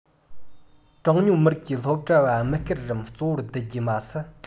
གྲངས ཉུང མི རིགས ཀྱི སློབ གྲྭ བ དམིགས བཀར རམ གཙོ བོར བསྡུ རྒྱུ མ ཟད